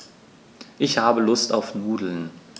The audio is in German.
Ich habe Lust auf Nudeln.